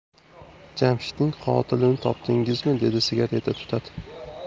jamshidning qotilini topdingizmi dedi sigareta tutatib